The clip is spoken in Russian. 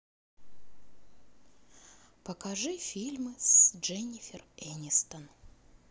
покажи фильмы с дженнифер энистон